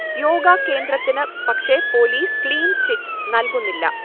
യോഗാ കേന്ദ്രത്തിന് പക്ഷേ police clean chit നല്കുന്നില്ല